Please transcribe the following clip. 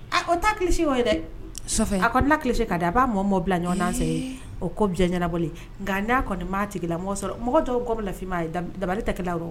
O ta kilisisi o ye dɛ so a ko kilisisi ka di a b'a mɔ bila ɲɔgɔn o ko bi ɲɛnabɔ nka n da'a kɔni nin maa tigila mɔgɔ dɔw ko bɛ lafi dabali tɛ kelen yɔrɔ